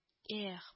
Ээх